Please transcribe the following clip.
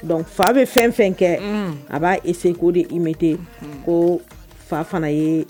Donc fa bɛ fɛn fɛn kɛ. Un! A b'a essayé k'o de imité . Un! Ko fa fana ye